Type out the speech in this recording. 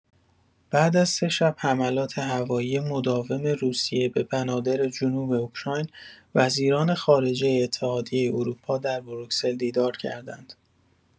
بعد از سه شب حملات هوایی مداوم روسیه به بنادر جنوب اوکراین، وزیران خارجه اتحادیه اروپا در بروکسل دیدار کردند.